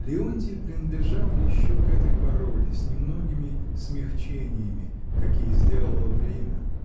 Леонтий принадлежал еще к этой породе, с немногими смягчениями, какие сделало время.